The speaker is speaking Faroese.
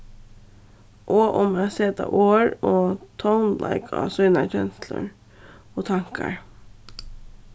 og um at seta orð og tónleik á sínar kenslur og tankar